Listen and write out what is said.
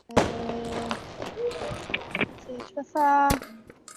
Yym heritage fatha'